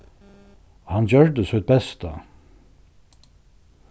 hann gjørdi sítt besta